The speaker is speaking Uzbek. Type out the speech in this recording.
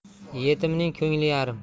yetimning ko'ngli yarim